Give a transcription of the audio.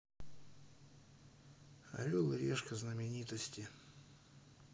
орел и решка знаменитости